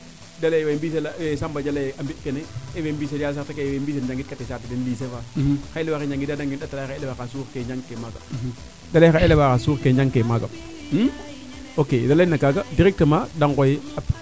de leyee wee Mbiselle we Samba Dia leyee a mbi kene we saate fe leye wee mbisel njangit kate saate den Lycée faa xa eleve axe njangidaa de ngeenu ndatala e xa eleve axe suur ke njang kee maaga de leye xa eleve axa suur kee njang kee maaga ok wee leyna kaaga deirectement de ngooy